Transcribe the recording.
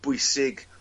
bwysig